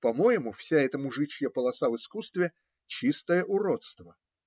по-моему, вся эта мужичья полоса в искусстве - чистое уродство.